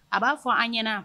A b'a fɔ an ɲɛna